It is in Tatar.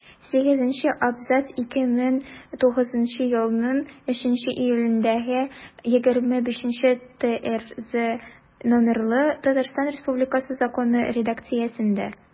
Сигезенче абзац 2009 елның 3 июлендәге 25-ТРЗ номерлы Татарстан Республикасы Законы редакциясендә.